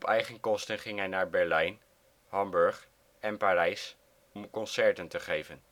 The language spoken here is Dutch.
eigen kosten ging hij naar Berlijn, Hamburg en Parijs om concerten te geven